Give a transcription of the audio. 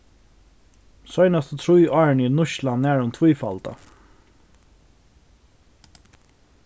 seinastu trý árini er nýtslan nærum tvífaldað